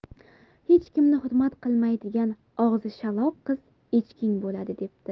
hech kimni hurmat qilmaydigan og'zi shaloq qiz echking bo'ladi debdi